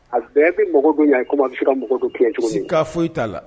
A bɛɛ bɛ mɔgɔ don y'a kuma a bɛ se ka don kɛ cogo'a foyi t'a la